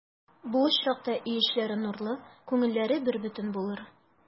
Шул очракта өй эчләре нурлы, күңелләре бербөтен булыр.